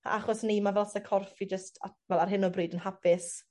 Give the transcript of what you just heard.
Achos 'ny mae fel lot o corff fi jyst a- wel ar hyn o bryd yn hapus